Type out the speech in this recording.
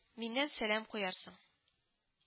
– миннән сәлам куярсың